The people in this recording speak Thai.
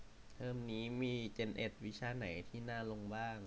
เทอมนี้มีเจ็นเอ็ดวิชาไหนที่น่าลงบ้าง